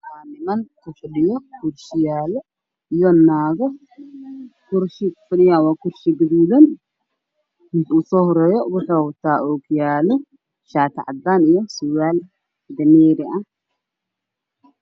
Niman kufadhiyo kursiyaalo iyo naago ku kursiga fadhiyaan waa kursi guduudan midka ugu soo horeeyo wuxuu wataa ookiyaalo shaati cadaan iyo surwaal baleeri a h